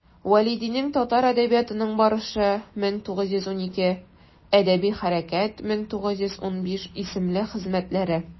Вәлидинең «Татар әдәбиятының барышы» (1912), «Әдәби хәрәкәт» (1915) исемле хезмәтләре.